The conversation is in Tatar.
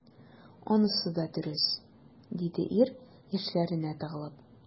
Анысы да дөрес,— диде ир, яшьләренә тыгылып.